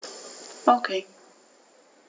Okay.